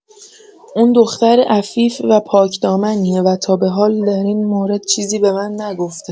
اون دختر عفیف و پاکدامنیه و تا به حال در این مورد چیزی به من نگفته.